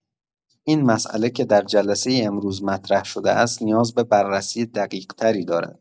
این مسئله که در جلسه امروز مطرح شده است، نیاز به بررسی دقیق‌تری دارد.